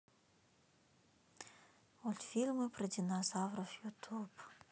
мультфильмы про динозавров ютуб